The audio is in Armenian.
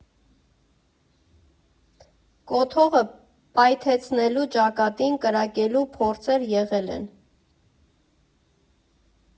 Կոթողը պայթեցնելու, ճակատին կրակելու փորձեր եղել են։